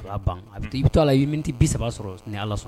I bɛ la i min tɛ saba sɔrɔ ala sɔrɔ